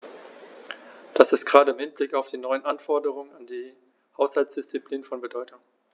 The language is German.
Dies ist gerade im Hinblick auf die neuen Anforderungen an die Haushaltsdisziplin von Bedeutung.